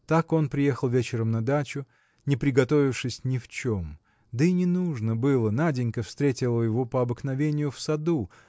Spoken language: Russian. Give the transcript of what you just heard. Так он приехал вечером на дачу, не приготовившись ни в чем да и не нужно было Наденька встретила его по обыкновению в саду